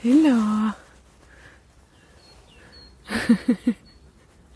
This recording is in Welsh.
Helo.